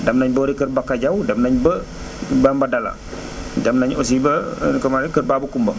dem nañ boori kër Baka Diaw dem naén ba Bambadala dem naén aussi ba nuñ koy waxee kër Baba Coumba